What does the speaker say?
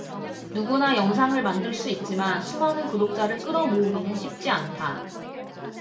누구나 영상을 만들 수 있지만 수많은 구독자를 끌어 모으기는 쉽지 않다